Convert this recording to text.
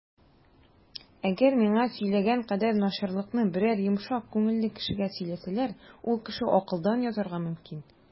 Әгәр миңа сөйләгән кадәр начарлыкны берәр йомшак күңелле кешегә сөйләсәләр, ул кеше акылдан язарга мөмкин.